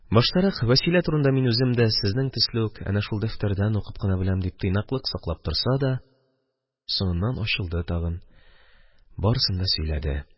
Баштарак: «Вәсилә турында мин үзем дә, сезнең төсле үк, әнә шул дәфтәрдән укып кына беләм», – дип, тыйнаклык саклап торса да, соңыннан ачылды тагын, барысын да сөйләде!